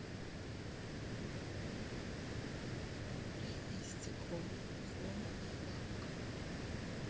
время и стекло сломанная лапка